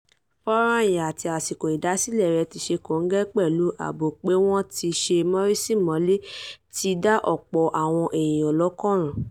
Fọ́nràn yìí, àti àsìkò ìdásílẹ̀ rẹ̀ tí ó ṣe kòǹgẹ́ pẹ̀lú àwọn àbọ̀ pé wọ́n ti sé Morsi mọ́lé, ti da ọ̀pọ̀ àwọn èèyàn lọ́kàn rú.